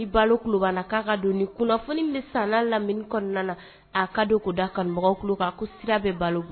Ni baloba k'a ka don nin kunnafoni bɛ san lamini kɔnɔna na a ka don' da kanumɔgɔ kan a ko sira bɛ balo